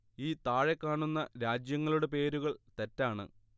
ഈ താഴെ കാണുന്ന രാജ്യങ്ങളുടെ പേരുകൾ തെറ്റാണ്